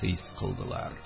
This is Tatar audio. Хис кылдылар.